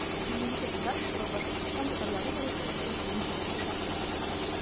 Сөембикә Кудашева – Башкортстан татарлары тарихы өчен үзенчәлекле шәхес.